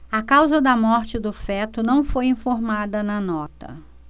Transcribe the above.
a causa da morte do feto não foi informada na nota